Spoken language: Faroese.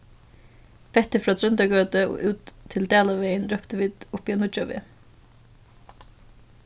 pettið frá tróndargøtu og út til dalavegin róptu vit uppi á nýggjaveg